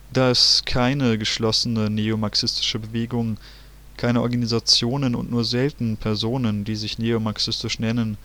Da es keine geschlossene neomarxistische Bewegung, keine Organisationen und nur selten Personen, die sich neomarxistisch nennen